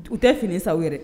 U tɛ fini sa ye